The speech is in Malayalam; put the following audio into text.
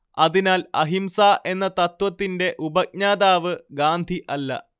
അതിനാൽ അഹിംസ എന്ന തത്ത്വത്തിന്റെ ഉപജ്ഞാതാവ് ഗാന്ധി അല്ല